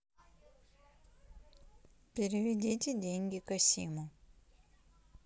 переведите деньги касиму